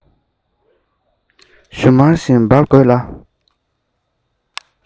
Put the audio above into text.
ཞུན མར བཞིན འབར དགོས ལ